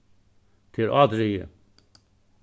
tað er ádrigið